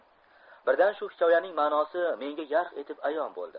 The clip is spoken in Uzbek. birdan shu hikoyaning ma'nosi menga yarq etib ayon bo'ldi